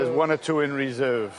So there's one or two in reserve.